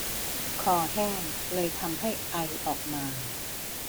คอแห้งเลยทำให้ไอออกมา